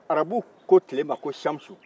arabuw ko tile ma ko samusu